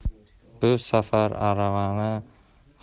bu safar aravani